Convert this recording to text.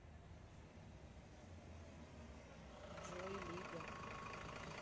джой лига